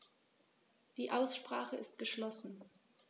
Die Aussprache ist geschlossen.